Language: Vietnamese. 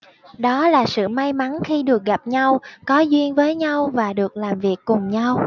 đó là sự may mắn khi được gặp nhau có duyên với nhau và được làm việc cùng nhau